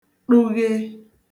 ṭụghe